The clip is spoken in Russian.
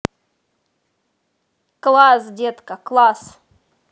класс детка класс